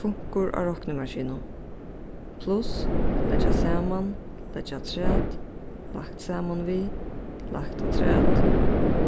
funkur á roknimaskinu pluss leggja saman leggja afturat lagt saman við lagt afturat